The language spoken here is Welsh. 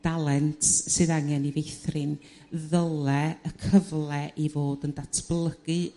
dalent sydd angen 'i feithrin ddyle y cyfle i fod yn datblygu